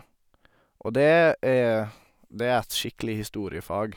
Og det er det er et skikkelig historiefag.